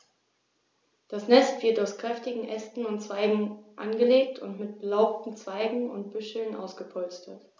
Das Nest wird aus kräftigen Ästen und Zweigen angelegt und mit belaubten Zweigen und Büscheln ausgepolstert.